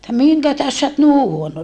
että minkä tähden sinä olet niin huono